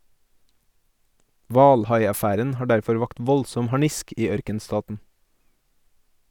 Hvalhaiaffæren har derfor vakt voldsom harnisk i ørkenstaten.